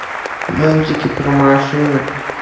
мультики про машинок